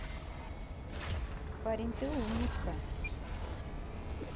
парень ты умничка